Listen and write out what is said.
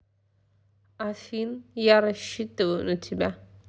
афин я рассчитываю на тебя